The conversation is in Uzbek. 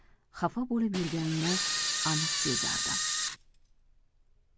xafa bo'lib yurganini aniq sezardim